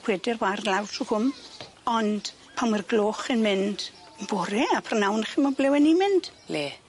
Peder 'wa'r lawr trw cwm ond pan ma'r gloch yn mynd yn bore a prynawn chi'mo' ble wen ni'n mynd? Ble?